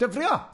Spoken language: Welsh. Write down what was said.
Dyfrio!